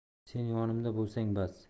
sen yonimda bo'lsang bas